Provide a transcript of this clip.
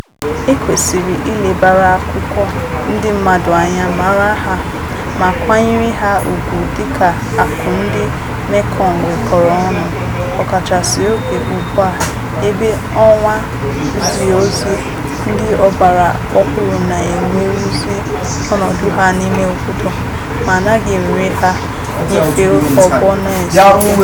E kwesịrị ilebara akụkọ ndị mmadụ anya, mara ha, ma kwanyere ha ugwu dị ka akụ ndị Mekong nwekọrọ ọnụ, ọkachasị oge ugbu a ebe ọwa nziozi ndị ọgbara ọhụrụ na-eweruzi ọnọdụ ha n'ime obodo, ma anaghị ewere ha nyefee ọ̀gbọ́ na-esote.